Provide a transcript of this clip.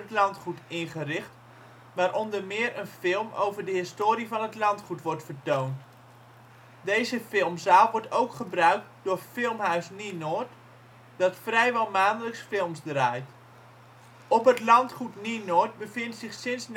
landgoed ingericht, waar onder meer een film over de historie van het landgoed wordt vertoond. Deze filmzaal wordt ook gebruikt door Filmhuis Nienoord, dat vrijwel maandelijks films draait. Op het landgoed Nienoord bevindt zich sinds